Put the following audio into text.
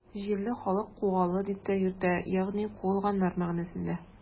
Җирле халык Кугалы дип тә йөртә, ягъни “куылганнар” мәгънәсендә.